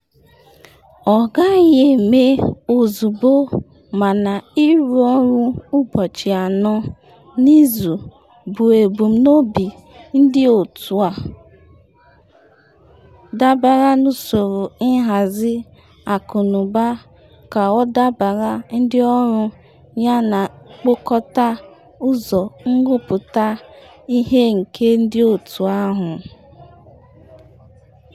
‘Ọ gaghị eme ozugbo mana ịrụ ọrụ ụbọchị anọ n’izu bụ ebumnobi ndị otu a dabara n’usoro ihazi akụnụba ka ọ dabaara ndị ọrụ yana mkpokota ụzọ nrụpụta ihe nke ndị otu ahụ.’